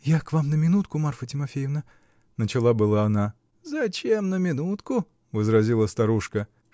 -- Я к вам на минутку, Марфа Тимофеевна, -- начала было она. -- Зачем на минутку? -- возразила старушка.